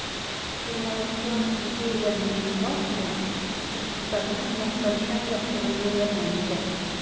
Инновацион идеяләрне чынга ашыру икътисадның максатчан яхшыруына ярдәм итә.